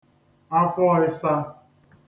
afọọịsa